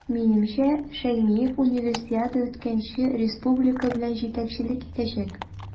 Минемчә, Шәймиев Универсиада үткәнче республика белән җитәкчелек итәчәк.